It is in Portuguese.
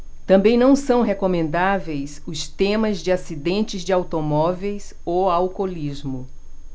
também não são recomendáveis os temas de acidentes de automóveis ou alcoolismo